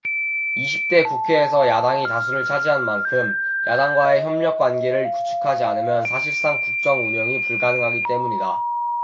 이십 대 국회에서 야당이 다수를 차지한 만큼 야당과의 협력관계를 구축하지 않으면 사실상 국정 운영이 불가능하기 때문이다